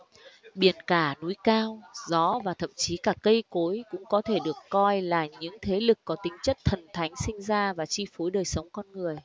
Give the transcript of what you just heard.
biển cả núi cao gió và thậm chí cả cây cối cũng có thể được coi là những thế lực có tính chất thần thánh sinh ra và chi phối đời sống con người